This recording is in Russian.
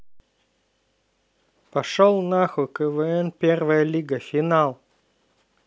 пошел нахуй квн первая лига финал